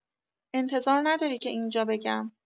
انتظار نداری که اینجا بگم